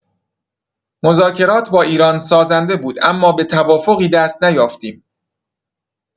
مذاکرات با ایران سازنده بود اما به توافقی دست نیافتیم.